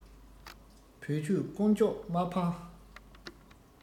བོད ཆོས དཀོན མཆོག མ སྤངས